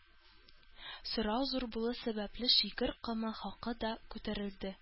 Сорау зур булу сәбәпле, шикәр комы хакы да күтәрелде